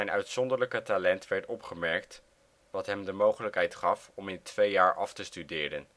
uitzonderlijke talent werd opgemerkt, wat hem de mogelijkheid gaf om in twee jaar af te studeren